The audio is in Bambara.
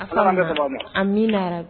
Ala kan bɛn saba ba ma. Amina